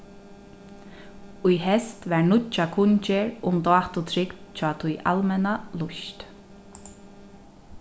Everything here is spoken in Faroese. í heyst var nýggja kunngerð um dátutrygd hjá tí almenna lýst